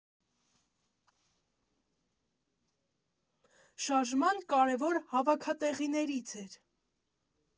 Շարժման կարևոր հավաքատեղիներից էր։